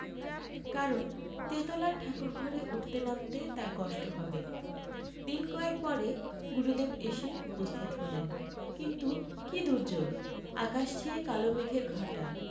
কারণ তেতলার ঠাকুরঘরে উঠতে নামতে তাঁর কষ্ট হবে দিন কয়েক পরে গুরুদেব এসে উপস্থিত হলেন কিন্তু কি দুর্যোগ আকাশ ছেয়ে কালো মেঘের ঘটা